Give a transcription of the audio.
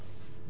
gerte wala